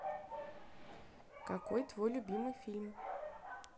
какой твой любимый фильм